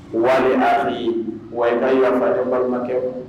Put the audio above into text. Wa y'a fili wa' fa balima kɛ